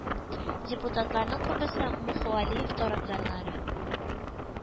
Депутатларның күбесе Муху Алиев тарафдарлары